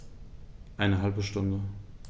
Eine halbe Stunde